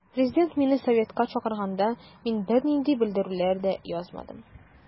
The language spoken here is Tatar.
Президент мине советка чакырганда мин бернинди белдерүләр дә язмадым.